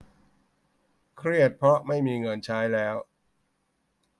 เครียดเพราะไม่มีเงินใช้แล้ว